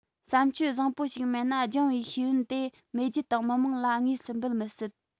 བསམ སྤྱོད བཟང པོ ཞིག མེད ན སྦྱངས པའི ཤེས བྱ ཡོན ཏན དེ མེས རྒྱལ དང མི དམངས ལ དངོས སུ འབུལ མི སྲིད